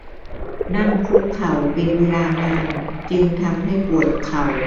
นั่งคุกเข่าเป็นเวลานานจึงทำให้ปวดเข่า